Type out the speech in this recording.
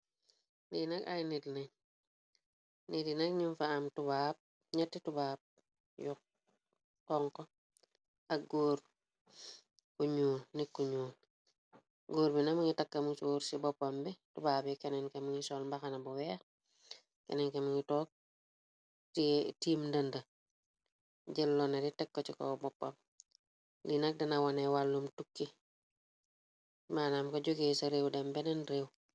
lii nak ay nit la, nit yi nak ñu fa am tubaab ñetti, tubaab yu xonxo ak góor bu ñuul. Goór bi nak mu ngi takka musoor si boppam bi. Tubaab yi Kenen ki mu ngi sol mbaxana bu weex, kenen ki, mu ngi tiim, ndënd jëllona li tekko ci ko boppam lii nak, dana wone wàllum tukki, maanaam ku jógee ca réew dem bennn réew